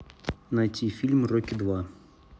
найти фильм рокки два